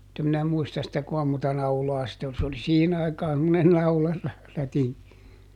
mutta en minä muista sitä kuinka monta naulaa sitten oli se oli siihen aikaan semmoinen - naularätinki